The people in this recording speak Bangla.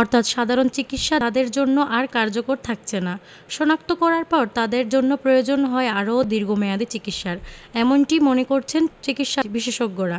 অর্থাৎ সাধারণ চিকিৎসা তাদের জন্য আর কার্যকর থাকছেনা শনাক্ত করার পর তাদের জন্য প্রয়োজন হয় আরও দীর্ঘমেয়াদি চিকিৎসার এমনটিই মনে করছেন চিকিৎসাবিশেষজ্ঞরা